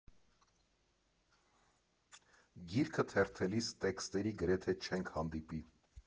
Գիրքը թերթելիս տեքստերի գրեթե չենք հանդիպի։